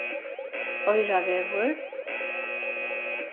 oyrarvegur